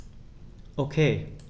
Okay.